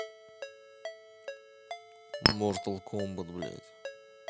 mortal kombat блядь